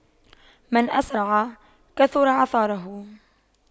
من أسرع كثر عثاره